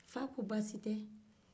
fa ko baasi tɛ